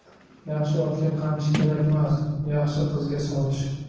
yaxshi otga qamchi kerakmas yaxshi qizga sovchi